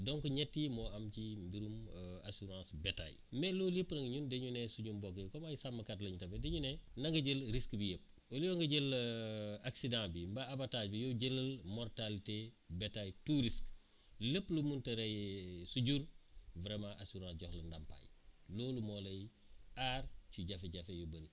donc ñett yii moo am ci mbirum assurance bétail mais loolu yëpp nag ñun dañu ne suñu mbokk yi comme ay sàmmkat lañ tamit dañu ne la nga jël risque bi yëpp au lieu nga jël accident bi mbaa abatage bi yow jëlal mortalité bétail tous risques lépp lu munta rey sa jur vraiment assurance jox la ndàmpaay loolu moo lay aar ci jafe-jafe yu bëri